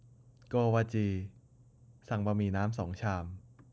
โกวาจีสั่งบะหมี่น้ำสองชาม